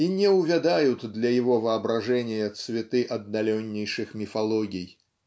и не увядают для его воображения цветы от отдаленнейших мифологий.